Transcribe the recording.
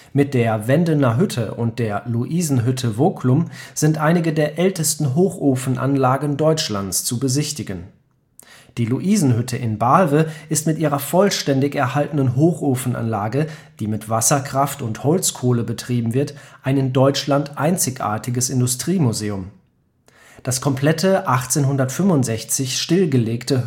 Mit der Wendener Hütte und der Luisenhütte Wocklum sind einige der ältesten Hochofenanlagen Deutschlands zu besichtigen. Die Luisenhütte in Balve ist mit ihrer vollständig erhaltenen Hochofenanlage, die mit Wasserkraft und Holzkohle betrieben wird, ein in Deutschland einzigartiges Industriemuseum. Das komplette 1865 stillgelegte